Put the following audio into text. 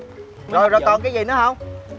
rồi rồi còn cái gì nữa hông